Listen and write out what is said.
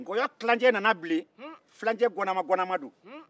nkɔyɔ tilance nana bilen